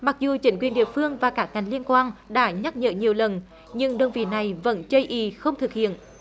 mặc dù chính quyền địa phương và các ngành liên quan đã nhắc nhở nhiều lần nhưng đơn vị này vẫn chây ỳ không thực hiện